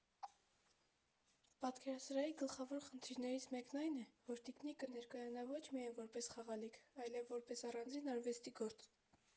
Պատկերասրահի գլխավոր խնդիրներից մեկն այն է, որ տիկնիկը ներկայանա ոչ միայն որպես խաղալիք, այլև որպես առանձին արվեստի գործ։